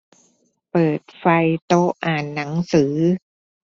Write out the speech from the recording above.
เปิดไฟโต๊ะอ่านหนังสือ